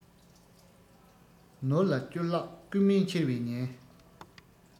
ནོར ལ བསྐྱུར བརླག རྐུན མས འཁྱེར བའི ཉེན